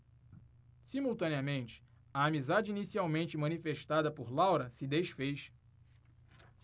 simultaneamente a amizade inicialmente manifestada por laura se disfez